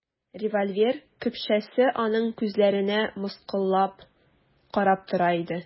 Револьвер көпшәсе аның күзләренә мыскыллап карап тора иде.